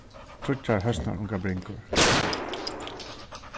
tríggjar høsnarungabringur